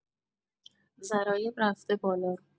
ضرایب رفته بالا